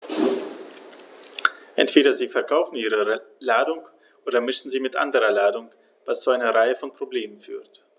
Entweder sie verkaufen ihre Ladung oder mischen sie mit anderer Ladung, was zu einer Reihe von Problemen führt.